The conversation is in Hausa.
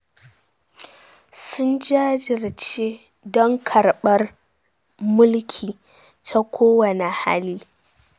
“Sun jajirce don karbar mulki ta ko wane hali.